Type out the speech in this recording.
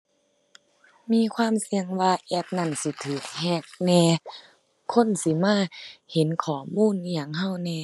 มีความเสี่ยงว่าแอปนั้นสิถูกแฮ็กแหน่ คนสิมาเห็นข้อมูลอิหยังถูกแหน่